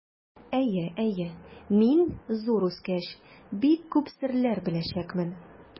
Әйе, әйе, мин, зур үскәч, бик күп серләр беләчәкмен.